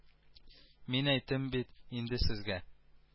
Мин әйттем бит инде сезгә